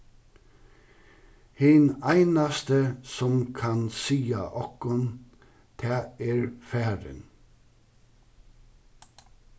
hin einasti sum kann siga okkum tað er farin